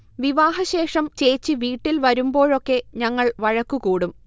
വിവാഹശേഷം ചേച്ചി വീട്ടിൽ വരുമ്പോഴൊക്കെ ഞങ്ങൾ വഴക്കുകൂടും